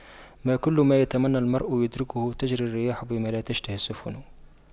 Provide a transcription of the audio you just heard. ما كل ما يتمنى المرء يدركه تجرى الرياح بما لا تشتهي السفن